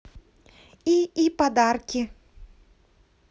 и и подарки